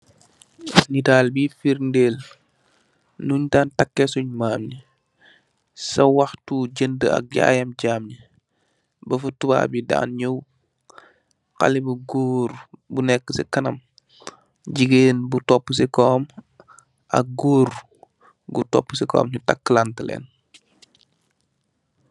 Nitaal biy firndeul, nunye daal takee sunye maam yi, sa wakhtu jeundh ak jaayak jaam yi, bafi tubaab yi daan nyeuw, khale bu goor bu nek si kanam, jigain bu topu si kawam, ak goor gu topu si kawam nyu tak lanteh leen.